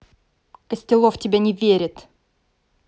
костелов тебя не верит